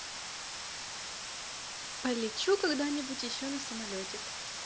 полечу когда нибудь еще на самолетик